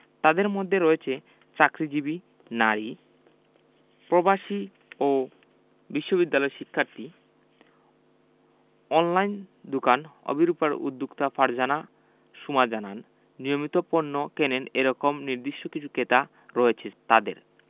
এঁদের মধ্যে রয়েছেন চাকরিজীবী নারী প্রবাসী ও বিশ্ববিদ্যালয় শিক্ষার্থী অনলাইন দোকান অভিরুপার উদ্যোক্তা ফারজানা সোমা জানান নিয়মিত পণ্য কেনেন এ রকম নির্দিষ্ট কিছু কেতা রয়েছে তাঁদের